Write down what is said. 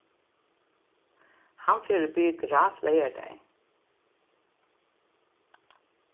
hann fer í biograf leygardagin